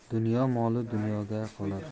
qaytib kelsa do'zax ham